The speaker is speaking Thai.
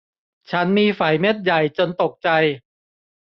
ฉันมีไฝเม็ดใหญ่จนตกใจ